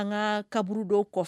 An ka kaburu dɔw kɔfɛ